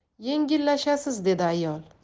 yengillashasiz dedi ayol